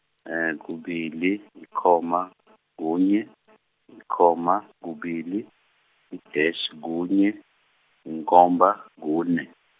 kubili, yikhoma, kunye, yikhoma, kubili, yidash, kunye, yinkomba, kune.